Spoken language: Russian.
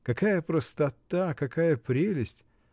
Какая простота, какая прелесть!